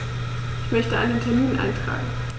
Ich möchte einen Termin eintragen.